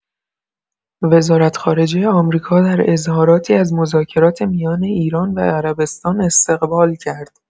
وزارت‌خارجه آمریکا در اظهاراتی از مذاکرات میان ایران و عربستان استقبال کرد.